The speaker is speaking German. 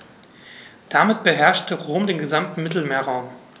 Damit beherrschte Rom den gesamten Mittelmeerraum.